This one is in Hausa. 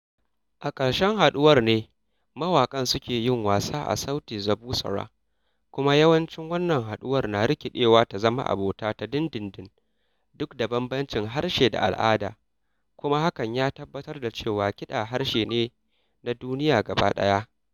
A ƙarshen "haɗuwar" ne mawaƙan suke yin wasa a Sauti za Busara kuma yawancin wannan haɗuwar na rikiɗewa ta zama abota ta dindindin duk da bambamcin harshe da al'ada, kuma hakan ya tabbatar da cewa kiɗa harshe ne na duniya gaba ɗaya.